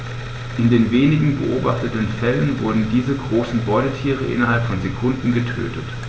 In den wenigen beobachteten Fällen wurden diese großen Beutetiere innerhalb von Sekunden getötet.